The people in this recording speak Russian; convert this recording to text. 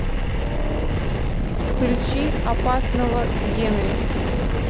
включи опасного генри